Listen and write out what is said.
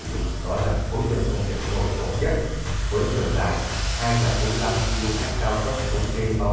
đó là khối lượng công việc đồ sộ nhất với chiều dài km cao tốc thống kê bao gồm